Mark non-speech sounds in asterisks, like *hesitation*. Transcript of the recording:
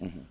*hesitation* *hesitation*